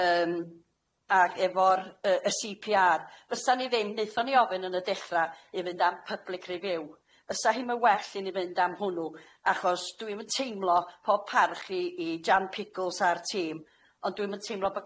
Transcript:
yym ag efo'r yy y See Pee Are fysan ni ddim neithon ni ofyn yn y dechra i fynd am Public Review fysa hi'm yn well i ni fynd am hwnnw achos dwi'm yn teimlo pob parch i i Jan Pigels a'r tîm ond dwi'm yn teimlo bo'